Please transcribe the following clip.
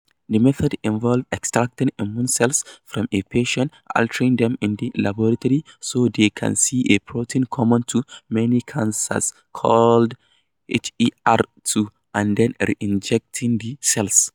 The method involves extracting immune cells from a patient, altering them in the laboratory so they can "see" a protein common to many cancers called HER2, and then reinjecting the cells.